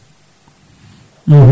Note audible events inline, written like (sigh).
(hesitation) (hesitation)